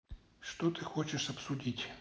что ты хочешь обсудить